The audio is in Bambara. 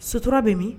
Sutura bɛ min.